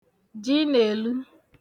jinèlu